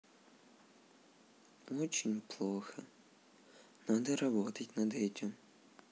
очень плохо надо работать над этим